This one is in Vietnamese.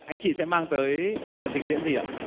anh chị sẽ mang tới phần trình diễn gì ạ